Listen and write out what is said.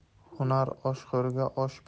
hunar oshxo'rga osh